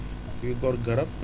ah kuy gor garab